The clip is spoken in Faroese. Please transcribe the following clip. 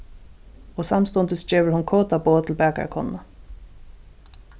og samstundis gevur hon kodað boð til bakarakonuna